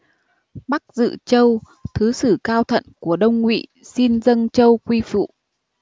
bắc dự châu thứ sử cao thận của đông ngụy xin dâng châu quy phụ